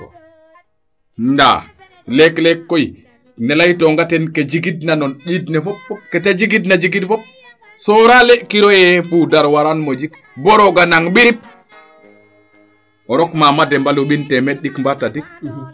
ndaa leek leek koy nee leytonga o ten ke jigidna no ndiin ne fop fop keta jikidna jikid fop soorale kiroyo poudre waraan mon jik bo rooga nan birip o rok maa Mademba lumbin temeed ɗik mbaa tadik